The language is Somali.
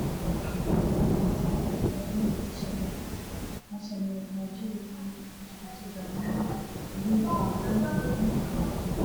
Meeshan waa arrimahaajo ku jiraan dawooyin ka midabkoodu waa guduud iyo buluug